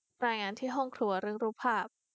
รายงานที่ห้องครัวเรื่องรูปภาพ